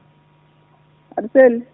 aɗa selli